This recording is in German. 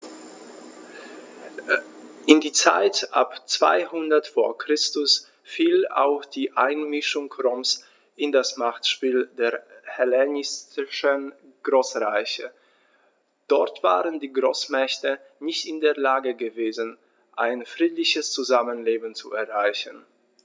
In die Zeit ab 200 v. Chr. fiel auch die Einmischung Roms in das Machtspiel der hellenistischen Großreiche: Dort waren die Großmächte nicht in der Lage gewesen, ein friedliches Zusammenleben zu erreichen.